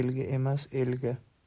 yelga emas elga